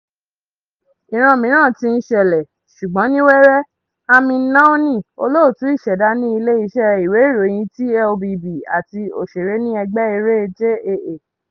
"Ìran mìíràn ti ń ṣẹlẹ̀, ṣùgbọ́n ní wẹ́rẹ́," Amine Nawny, olóòtú ìṣẹ̀dá ní ilé-iṣẹ́ ìwé-ìròyìn TLBB àti òṣèré ní ẹgbẹ́ eré JAA.